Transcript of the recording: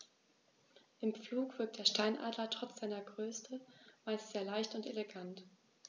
Im Flug wirkt der Steinadler trotz seiner Größe meist sehr leicht und elegant.